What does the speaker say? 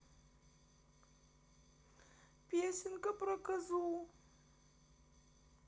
песенка про козу